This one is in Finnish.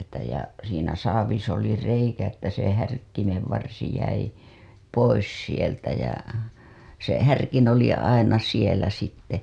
että ja siinä saavissa oli reikä että se härkkimen varsi jäi pois sieltä ja se härkin oli aina siellä sitten